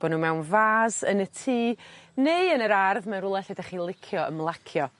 Bo' n'w mewn vase yn y tŷ neu yn yr ardd mewn rwla lle 'dach chi licio ymlacio.